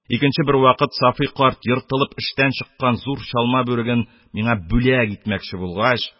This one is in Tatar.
Икенче бервакыт Сафый карт ертылып эштән чыккан зур чалма бүреген миңа "бүләк" итмәкче булгач